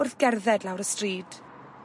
wrth gerdded lawr y stryd.